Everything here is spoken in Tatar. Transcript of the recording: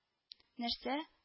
- нәрсә